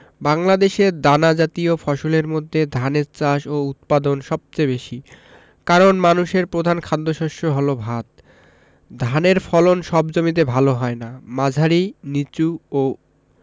বাংলাদেশে দানাজাতীয় ফসলের মধ্যে ধানের চাষ ও উৎপাদন সবচেয়ে বেশি কারন মানুষের প্রধান খাদ্যশস্য হলো ভাত ধানের ফলন সব জমিতে ভালো হয় না মাঝারি নিচু ও